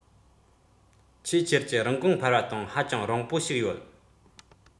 ཆེས ཆེར ཀྱི རིན གོང འཕར བ དང ཧ ཅང རིང པོ ཞིག ཡོད